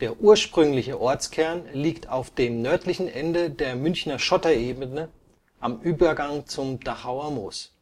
ursprüngliche Ortskern liegt auf dem nördlichen Ende der Münchner Schotterebene, am Übergang zum Dachauer Moos